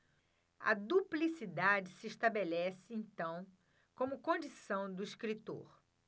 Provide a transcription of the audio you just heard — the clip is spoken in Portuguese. a duplicidade se estabelece então como condição do escritor